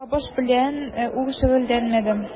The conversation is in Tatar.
Табыш белән ул шөгыльләнмәде.